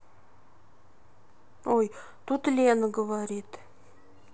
ой тут лена говорит